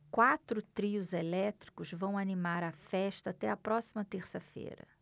quatro trios elétricos vão animar a festa até a próxima terça-feira